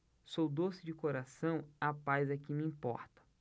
sou doce de coração a paz é que me importa